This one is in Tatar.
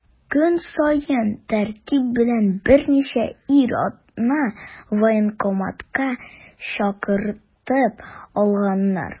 Көн саен тәртип белән берничә ир-атны военкоматка чакыртып алганнар.